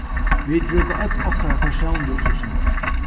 vit brúka øll okkara persónligu upplýsingar